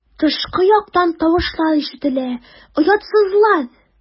Тышкы яктан тавышлар ишетелә: "Оятсызлар!"